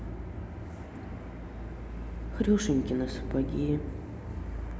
хрюшенькины сапоги